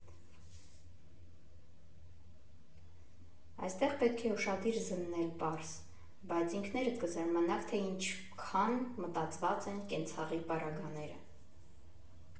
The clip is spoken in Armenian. Այստեղ պետք է ուշադիր զննել պարզ, բայց ինքներդ կզամանաք, թե ինչքան մտածված են կենցաղի պարագաները։